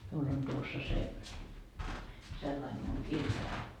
minulla on tuossa se sellainen minun kirjani